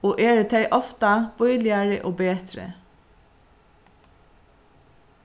og eru tey ofta bíligari og betri